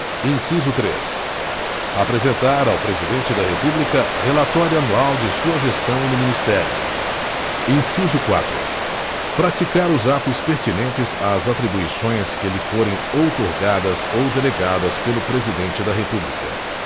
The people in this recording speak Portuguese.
inciso três apresentar ao presidente da república relatório anual de sua gestão no ministério inciso quatro praticar os atos pertinentes às atribuições que lhe forem outorgadas ou delegadas pelo presidente da república